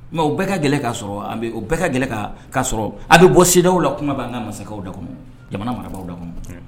Mɛ o bɛɛ ka gɛlɛn ka sɔrɔ bɛɛ ka gɛlɛn ka ka sɔrɔ a bɛ bɔ sidadaw la kuma bɛ an ka masakɛw la kɔnɔmi jamana marabagaw la kɔnɔ